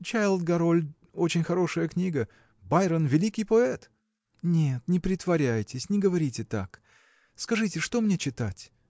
Чайльд-Гарольд – очень хорошая книга, Байрон – великий поэт! – Нет, не притворяйтесь! не говорите так. Скажите, что мне читать?